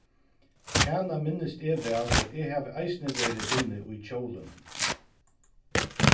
hana minnist eg væl og eg havi eisini verið inni í hjólinum